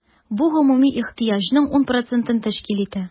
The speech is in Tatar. Бу гомуми ихтыяҗның 10 процентын тәшкил итә.